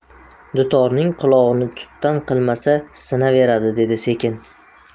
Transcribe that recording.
dutorning qulog'ini tutdan qilmasa sinaveradi dedi sekin